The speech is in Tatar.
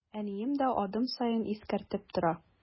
Әнием дә адым саен искәртеп тора.